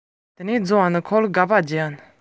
ཁོས ཁོང ཁྲོ ཆེན པོས ཁང སྟོང ནས